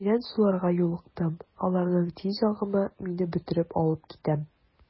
Тирән суларга юлыктым, аларның тиз агымы мине бөтереп алып китә.